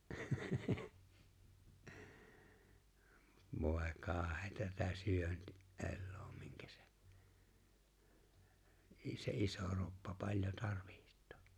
voi kauheaa tätä - eloa minkä se - se iso kroppa paljon tarvitsee